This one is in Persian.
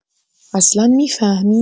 اصلا می‌فهمی؟